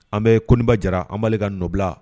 An bɛ koba jara an bali ka n nɔbila